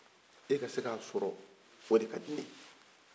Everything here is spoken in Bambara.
e ka se ka sɔrɔ o de ka di ne ye